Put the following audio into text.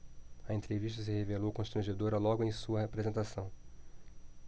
a entrevista se revelou constrangedora logo em sua apresentação